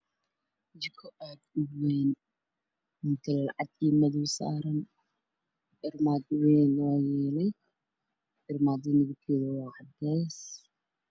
Jiko aad u weyn mutuleel cad iyo madow saaran armaaja weyn baa taalay armaajada midabkeedu waa cadees